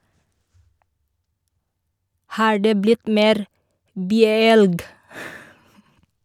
- Har det blitt mer "byelg"?